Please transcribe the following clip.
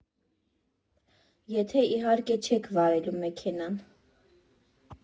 Եթե, իհարկե, չեք վարելու մեքենան։